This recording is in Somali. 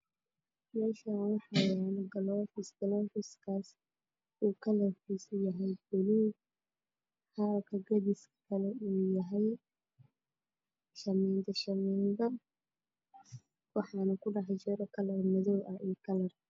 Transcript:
Waxaa ii muuqda laba golofis waxayna midabkooda kala yihiin bluug caadeys hoosna waxay ka yihiin gudud